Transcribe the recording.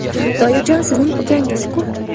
toyirjon sizning ukangiz ku